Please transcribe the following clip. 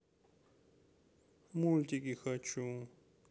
мультики хочу